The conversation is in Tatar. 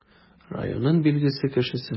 Районның билгеле кешесе.